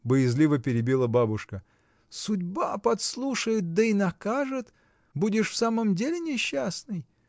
— боязливо перебила бабушка, — судьба подслушает да и накажет: будешь в самом деле несчастный!